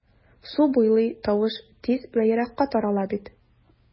Су буйлый тавыш тиз вә еракка тарала бит...